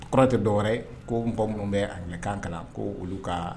Kurantɛ dɔwɛrɛ ko baw minnu bɛ a ɲɛ kan ka na ko olu ka